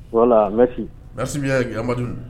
Wala an mɛ mɛsiyamadu